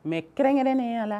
Mɛ kɛrɛn kelen ne yala la